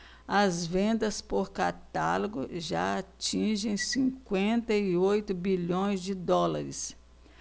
as vendas por catálogo já atingem cinquenta e oito bilhões de dólares